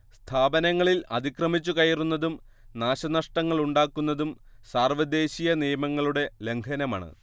സ്ഥാപനങ്ങളിൽ അതിക്രമിച്ചുകയറുന്നതും നാശനഷ്ടങ്ങളുണ്ടാക്കുന്നതും സാർവദേശീയ നിയമങ്ങളുടെ ലംഘനമാണ്